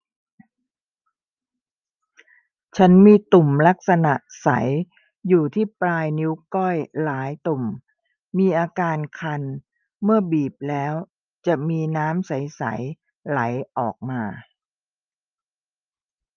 ฉันมีตุ่มลักษณะใสอยู่ที่ปลายนิ้วก้อยหลายตุ่มมีอาการคันเมื่อบีบแล้วจะมีน้ำใสใสไหลออกมา